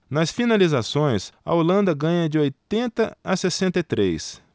nas finalizações a holanda ganha de oitenta a sessenta e três